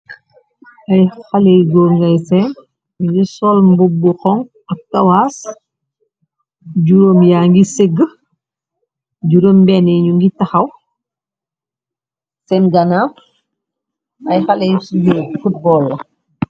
Aiiy haleh yu gorre ngai sehnn, njungy sol mbubu bu honhu ak kawass, jurom yaangy sehgue, jurom beni yii njungy takhaw, sehn ganaw aiiy haleh yu football la.